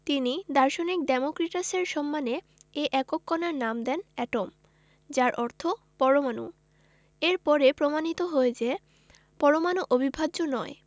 তিনি দার্শনিক ডেমোক্রিটাসের সম্মানে এ একক কণার নাম দেন এটম যার অর্থ পরমাণু এর পরে প্রমাণিত হয় যে পরমাণু অবিভাজ্য নয়